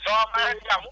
ça va mbaa yaa ngi si jàmm